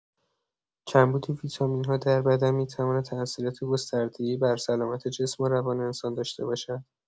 کمبود ویتامین‌ها در بدن می‌تواند تاثیرات گسترده‌ای بر سلامت جسم و روان انسان داشته باشد.